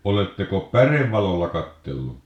oletteko pärevalolla katsellut